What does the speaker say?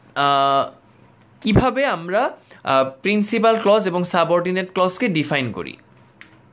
কিভাবে আমরা principal clause এবং সাব-অরডিনেট ক্লজকে ডিফাইন করি